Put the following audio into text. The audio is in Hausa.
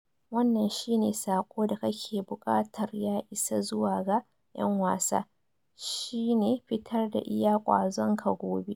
Wannan shi ne saƙo da kake buƙatar ya isa zuwa ga 'yan wasa, shi ne fitar da iya kwazon ka gobe.